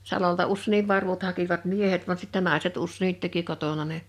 salolta useinkin varvut hakivat miehet vaan sitten naiset useinkin teki kotona ne